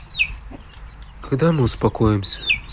когда мы успокоимся